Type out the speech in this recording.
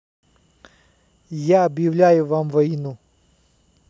я объявляю вам войну